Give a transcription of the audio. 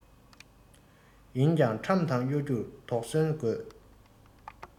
ཡིན ཀྱང ཁྲམ དང གཡོ སྒྱུར དོགས ཟོན དགོས